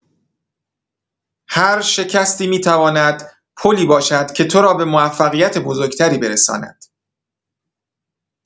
هر شکستی می‌تواند پلی باشد که تو را به موفقیت بزرگ‌تری برساند.